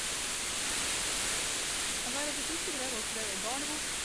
Jeg har i det siste drevet og skrevet ei barnebok.